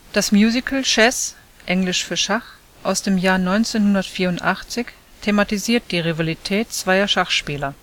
Das Musical Chess (englisch für Schach) aus dem Jahr 1984 thematisiert die Rivalität zweier Schachspieler